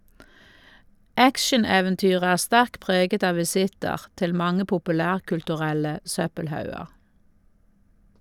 Actioneventyret er sterkt preget av visitter til mange populærkulturelle søppelhauger.